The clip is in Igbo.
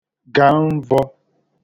gà mvọ̄